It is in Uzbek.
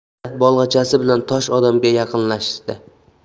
yana bolg'achasi bilan tosh odamga yaqinlashdi